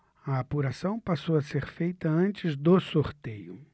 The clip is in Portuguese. a apuração passou a ser feita antes do sorteio